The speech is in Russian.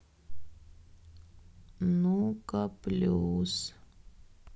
ну ка полюс